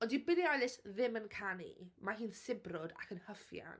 Ond dyw Billie Eilish ddim yn canu, mae hi'n sibrwd ac yn hyffian.